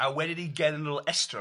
A wedyn i genedl estron.